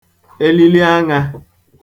elili aṅā